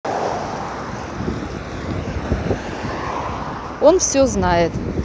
он все знает